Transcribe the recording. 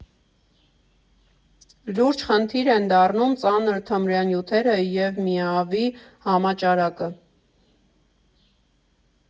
Լուրջ խնդիր են դառնում ծանր թմրանյութերը և ՄԻԱՎ֊ի համաճարակը։